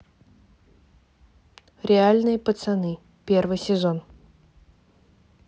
реальные пацаны первый сезон